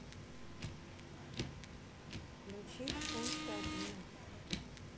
включи пункт один